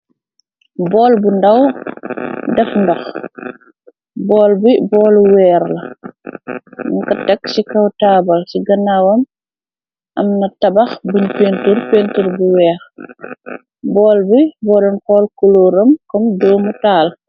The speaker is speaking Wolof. Bool bu ndaw def ndox, bool bi boolu weer la, ñun ko tek ci kaw taabal, ci ganaawam am na tabax buñ pentur pentur bu weex, bool bi booreen xool kuluram kom doomutaal.